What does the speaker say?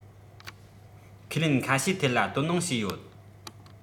ཁས ལེན ཁ ཤས ཐད ལ དོ སྣང བྱས ཡོད